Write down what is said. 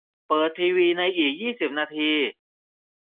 เปิดทีวีในอีกยี่สิบนาที